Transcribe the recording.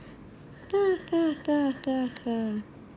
ха ха ха ха ха